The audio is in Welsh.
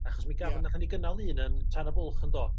Achos mi gafon nathon ni gynnal un yn Tan y Bwlch yndo?